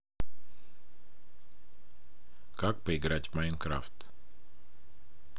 как поиграть в minecraft